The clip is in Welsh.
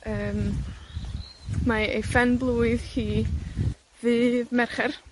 Yym, mae ei phen-blwydd hi ddydd Mercher.